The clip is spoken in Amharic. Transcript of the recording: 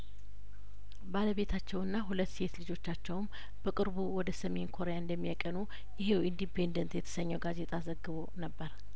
ባለቤታቸውና ሁለት ሴት ልጆቻቸውም በቅርቡ ወደ ሰሜን ኮሪያ እንደሚያቀኑ ይኸው ኢንዲ ፔንደንት የተሰኘው ጋዜጣ ዘግቦ ነበር